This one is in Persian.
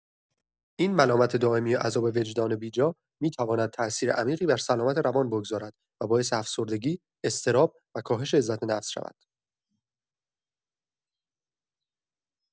این ملامت دائمی و عذاب وجدان بی‌جا می‌تواند تاثیر عمیقی بر سلامت روان بگذارد و باعث افسردگی، اضطراب، و کاهش عزت‌نفس شود.